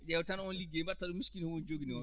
ƴeew tan oon liggey mbaɗata ɗum miskiino won joginooɗo